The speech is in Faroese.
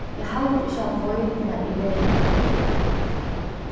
eg haldi ikki at hann veit nær eg verði har